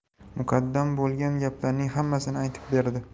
muqaddam bo'lgan gaplarning hammasini aytib berdi